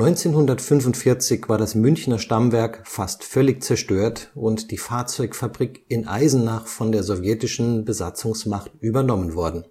1945 war das Münchner Stammwerk fast völlig zerstört und die Fahrzeugfabrik in Eisenach von der Sowjetischen Besatzungsmacht übernommen worden